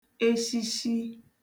eshishi